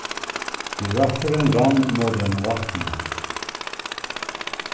giraffurin rann í móti einum vatni